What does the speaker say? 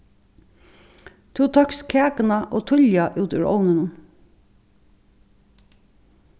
tú tókst kakuna ov tíðliga út úr ovninum